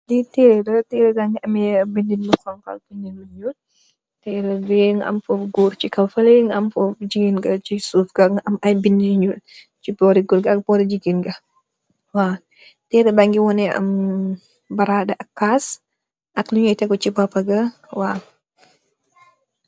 lii tere la tere ba ngi ame binda yu xonxa ak benda yu nuul tere gi nga am fofu goor ci kawfali nga am fofu jigeen ga ci suufga nga am ay binda yu nuul ci boori goor ga ak boori jigeen ga wa teera ba ngi wone am baraade ak caas ak lunuy tegu ci coppa ga waa.